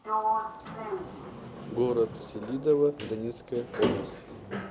город селидово донецкая область